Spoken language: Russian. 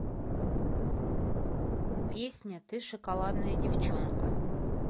песня ты шоколадная девчонка